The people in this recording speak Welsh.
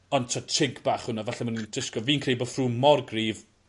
Ond t'wod chink back yw wnna falle ma' nw'n disgwl... Fi'n credu bo' Froome mor gryf